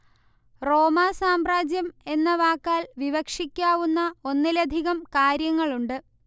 റോമാ സാമ്രാജ്യം എന്ന വാക്കാൽ വിവക്ഷിക്കാവുന്ന ഒന്നിലധികം കാര്യങ്ങളുണ്ട്